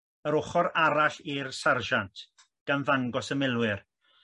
yr ochor arall i'r sarjant gan ddangos y milwyr